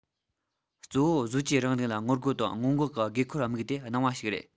གཙོ བོ བཟོ བཅོས རིང ལུགས ལ ངོ རྒོལ དང སྔོན འགོག གི དགོས མཁོར དམིགས ཏེ གནང བ ཞིག རེད